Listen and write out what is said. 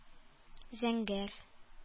Зәңгәр